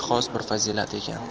xos bir fazilat ekan